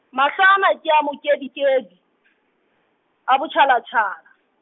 mahlo ona ke a mokedikedi , a botjhalatjhala.